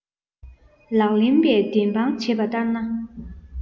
ལག ལེན ལས བདེན དཔང བྱས པ ལྟར ན